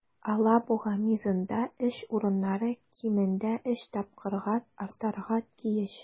"алабуга" мизында эш урыннары кимендә өч тапкырга артарга тиеш.